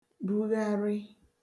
bugharị